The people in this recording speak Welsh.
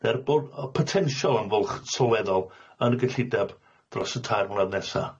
er bo' y- potensial am fwlch sylweddol yn y gyllideb dros y tair mlynedd nesa.